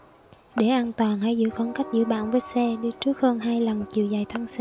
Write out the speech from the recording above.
để an toàn hãy giữ khoảng cách giữa bạn với xe đi trước hơn hai lần chiều dài thân xe